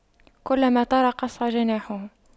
كلما طار قص جناحه